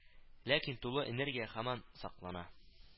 Ләкин тулы энергия һаман саклана